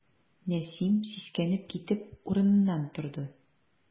Нәсим, сискәнеп китеп, урыныннан торды.